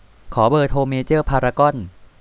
ขอเบอร์โทรเมเจอร์พารากอน